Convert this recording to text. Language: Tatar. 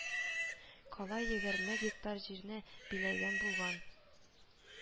Кала егерме гектар җирне биләгән булган